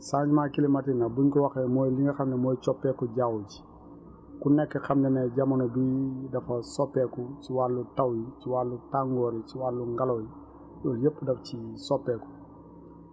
changement climatique nag buñ ko waxee mooy li nga xam ne mooy coppeeku jaww ji ku nekk xam na ne jamono jii dafa soppeeku si wàllu taw ci wàllu tàngoor wi ci wàllu ngelaw yi loolu yépp daf ci soppeeku